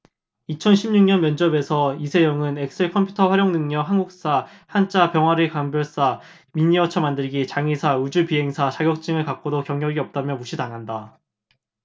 이천 십 육 년 면접에서 이세영은 엑셀 컴퓨터활용능력 한국사 한자 병아리감별사 미니어처만들기 장의사 우주비행사 자격증을 갖고도 경력이 없다며 무시당한다